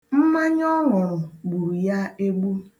Mmanya ọ ṅụrụ gburu ya egbu.